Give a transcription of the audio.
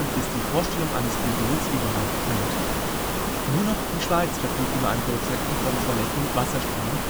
ist die Vorstellung eines Bidets überhaupt fremd. Nur noch die Schweiz verfügt über einen Produzenten von Toiletten mit Wasserstrahl